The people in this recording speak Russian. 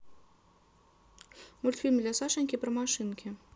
мультфильм для сашеньки про машинки